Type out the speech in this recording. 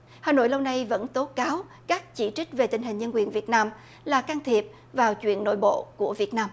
hà nội lâu nay vẫn tố cáo các chỉ trích về tình hình nhân quyền việt nam là can thiệp vào chuyện nội bộ của việt nam